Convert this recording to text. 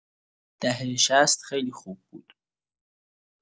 دهه شصت خیلی خوب بود.